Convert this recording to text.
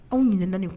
Anw ɲinɛna nin